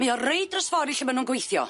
Mae o reid dros fory lle ma' nw'n gweithio.